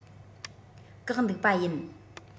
བཀག འདུག པ ཡིན